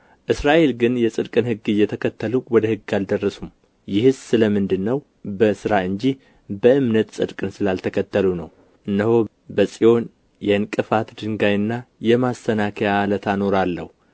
እስራኤል ግን የጽድቅን ሕግ እየተከተሉ ወደ ሕግ አልደረሱም ይህስ ስለ ምንድር ነው በሥራ እንጂ በእምነት ጽድቅን ስላልተከተሉ ነው እነሆ በጽዮን የእንቅፋት ድንጋይና የማሰናከያ ዓለት አኖራለሁ